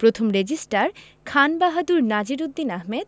প্রথম রেজিস্ট্রার খানবাহাদুর নাজির উদ্দিন আহমদ